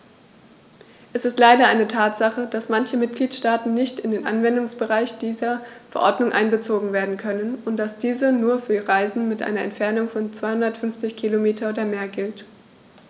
Es ist leider eine Tatsache, dass manche Mitgliedstaaten nicht in den Anwendungsbereich dieser Verordnung einbezogen werden können und dass diese nur für Reisen mit einer Entfernung von 250 km oder mehr gilt.